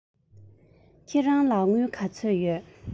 ཁྱེད རང ལ དངུལ ག ཚོད ཡོད